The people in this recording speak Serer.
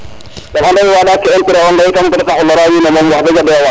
`yam anda ye wanda ke interet onga yit ba tax o lora wiin we wax deg a doya waar